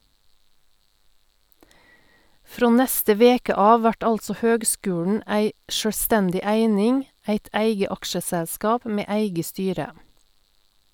Frå neste veke av vert altså høgskulen ei sjølvstendig eining , eit eige aksjeselskap med eige styre.